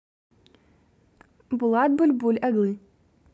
булат бульбуль оглы